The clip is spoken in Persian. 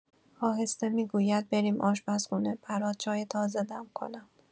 آهسته می‌گوید: «بریم آشپزخونه، برات چای تازه دم کنم.»